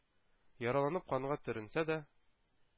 Яраланып канга төренсә дә,